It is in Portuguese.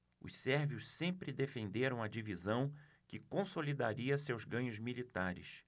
os sérvios sempre defenderam a divisão que consolidaria seus ganhos militares